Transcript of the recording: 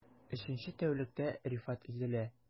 Өченче тәүлектә Рифат өзелә...